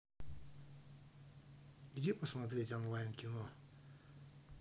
где посмотреть онлайн кино